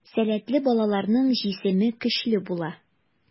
Сәләтле балаларның җисеме көчле була.